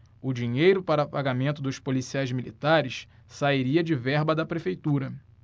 o dinheiro para pagamento dos policiais militares sairia de verba da prefeitura